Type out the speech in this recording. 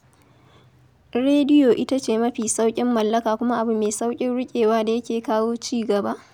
Rediyo ita ce mafi sauƙin mallaka kuma abu mai sauƙin rikewa da yake kawo ci gaba